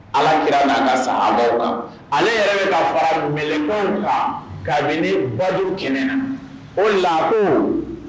Ala kira nana sa ale ale yɛrɛ bɛ ka fara m la kabini baju kɛnɛ o la